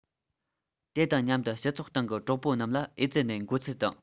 དེ དང མཉམ དུ སྤྱི ཚོགས སྟེང གི གྲོགས པོ རྣམས ལ ཨེ ཙི ནད འགོ ཚུལ དང